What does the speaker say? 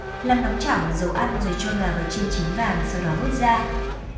làm nóng chảo bằng dầu ăn rồi cho gà vào chiên chín vàng sau đó vớt ra